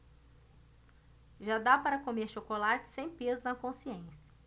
já dá para comer chocolate sem peso na consciência